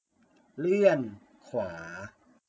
เลื่อนขวา